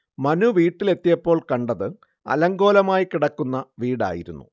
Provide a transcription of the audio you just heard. മനു വീട്ടിലെത്തിയപ്പോൾ കണ്ടത് അലങ്കോലമായി കിടക്കുന്ന വീടായിരുന്നു